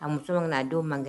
A muso min kɔnɔ a denw man kɛ